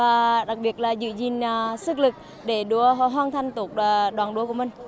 và đặc biệt là giữ gìn sức lực để đua họ hoàn thành tốt đoạn đua của mình